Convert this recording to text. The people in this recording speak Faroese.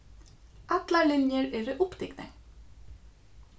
allar linjur eru upptiknar